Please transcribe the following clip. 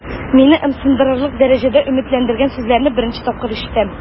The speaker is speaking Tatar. Мине ымсындырырлык дәрәҗәдә өметләндергән сүзләрне беренче тапкыр ишетәм.